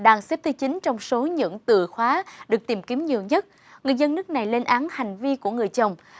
đang xếp thứ chín trong số những từ khóa được tìm kiếm nhiều nhất người dân nước này lên án hành vi của người chồng